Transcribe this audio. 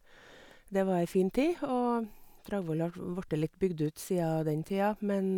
Det var ei fin tid, og Dragvoll har vo vorte litt bygd ut sia den tida, men...